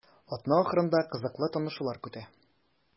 Атна ахырында кызыклы танышулар көтә.